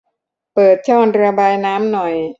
เปิดช่องระบายน้ำหน่อย